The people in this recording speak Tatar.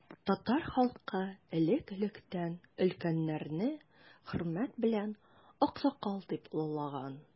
Татар халкы элек-электән өлкәннәрне хөрмәт белән аксакал дип олылаган.